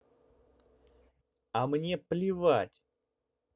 а мне плевать